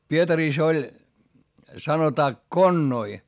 Pietarissa oli sanotaan konnoi